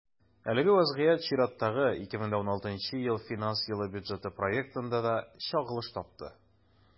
Әлеге вазгыять чираттагы, 2016 финанс елы бюджеты проектында да чагылыш тапты.